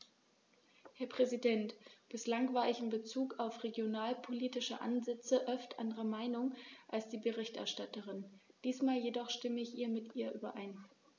Herr Präsident, bislang war ich in Bezug auf regionalpolitische Ansätze oft anderer Meinung als die Berichterstatterin, diesmal jedoch stimme ich mit ihr überein.